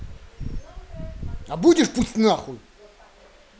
а будешь пусть нахуй